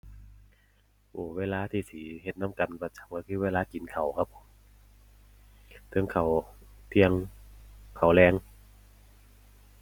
โอ้ เวลาที่สิเฮ็ดนำกันประจำก็คือเวลากินข้าวครับ เทิงข้าวเที่ยง ข้าวแลง